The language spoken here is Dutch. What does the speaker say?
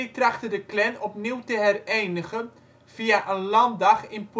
trachtte de Klan opnieuw te herenigen via een landdag in Pulaski